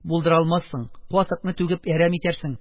Булдыра алмассың, катыкны түгеп, әрәм итәрсең,